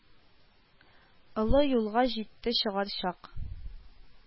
Олы юлга җитте чыгар чак